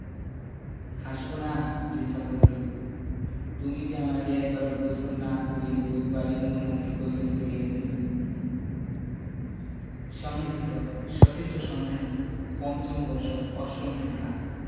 হাসবোনা লিসা বললো তুমি যে আমাকে একবারও গোসল না করিয়ে দুবারই মোনাকে গোসল করিয়ে এনেছো সংগৃহীত সচিত্র সন্ধানী৫ম বর্ষ ৮ম সংখ্যা